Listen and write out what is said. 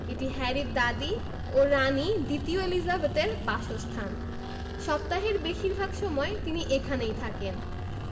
এটি হ্যারির দাদি ও রানি দ্বিতীয় এলিজাবেথের বাসস্থান সপ্তাহের বেশির ভাগ সময় তিনি এখানেই থাকেন